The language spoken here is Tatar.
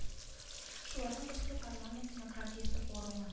Шуларның берсе парламент демократиясе форумы